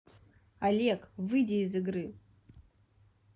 олег выйди из игры